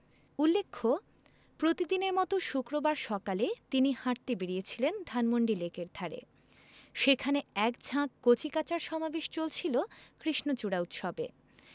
উল্লেখ্য প্রতিদিনের মতো শুক্রবার সকালে তিনি হাঁটতে বেরিয়েছিলেন ধানমন্ডি লেকের ধারে সেখানে এক ঝাঁক কচিকাঁচার সমাবেশ চলছিল কৃষ্ণচূড়া উৎসবে